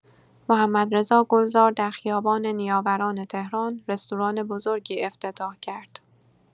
محمدرضا گلزار در خیابان نیاوران تهران رستوران بزرگی افتتاح کرد.